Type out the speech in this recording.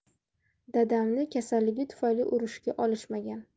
dadamni kasalligi tufayli urushga olishmagan